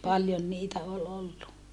paljon niitä oli ollut